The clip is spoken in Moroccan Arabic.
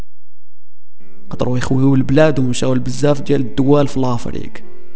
اخوي البلاد ومشغل بالزاف جوال في الافريقي